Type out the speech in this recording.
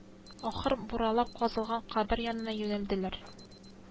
Ахыр буралап казылган кабер янына юнәлделәр